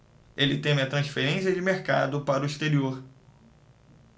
ele teme a transferência de mercado para o exterior